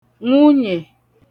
nwunyè